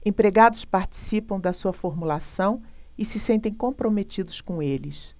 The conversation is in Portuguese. empregados participam da sua formulação e se sentem comprometidos com eles